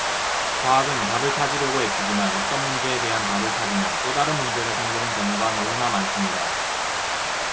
과학은 답을 찾으려고 애쓰지만 어떤 문제에 대한 답을 찾으면 또 다른 문제가 생기는 경우가 너무나 많습니다